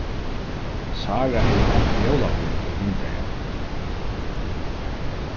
sára hevði hongt jólapynt í vindeygað